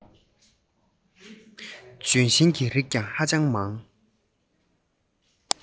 ན ཤིང གི རྩེ ནས ཡར འཕུར མར འཕུར བྱེད